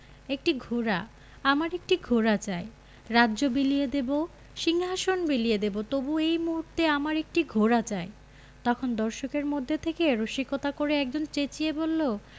একটি ঘোড়া আমার একটি ঘোড়া চাই রাজ্য বিলিয়ে দেবো সিংহাশন বিলিয়ে দেবো তবু এই মুহূর্তে আমার একটি ঘোড়া চাই – তখন দর্শকের মধ্য থেকে রসিকতা করে একজন চেঁচিয়ে বললো